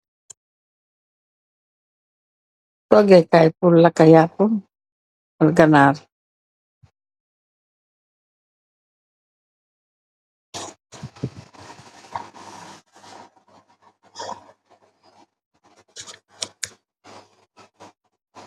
Togeh kai pul laka yapaa ak ganar.